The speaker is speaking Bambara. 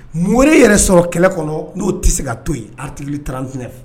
Morire yɛrɛ sɔrɔ kɛlɛ kɔnɔ n'o tɛ se ka to yen ati trantinɛ